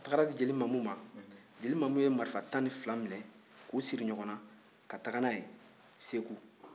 a taara di jeli mamu ma jeli mamu ye marifa tan ni fila minɛ k'u siri ɲɔgɔn na ka taa n'a ye segu